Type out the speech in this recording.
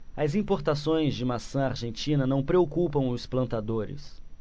as importações de maçã argentina não preocupam os plantadores